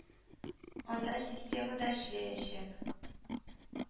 Анда системы да эшләячәк